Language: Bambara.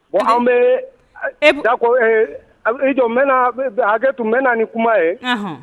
Wa an bɛ e bɛ da ko tun bɛ na ni kuma ye